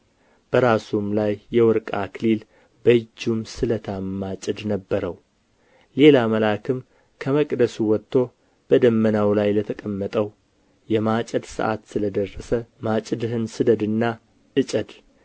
በራሱም ላይ የወርቅ አክሊል በእጁም ስለታም ማጭድ ነበረው ሌላ መልአክም ከመቅደሱ ወጥቶ በደመናው ላይ ለተቀመጠው የማጨድ ሰዓት ስለ ደረሰ ማጭድህን ስደድና እጨድ